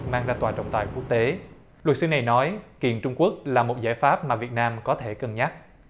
mang ra tòa trọng tài quốc tế luật sư này nói kiện trung quốc là một giải pháp mà việt nam có thể cân nhắc